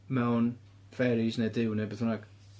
mewn fairies neu Duw neu be bynnag.